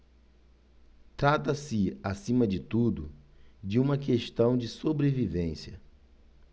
trata-se acima de tudo de uma questão de sobrevivência